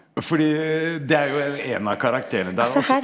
fordi det er jo en av karakterene der, også.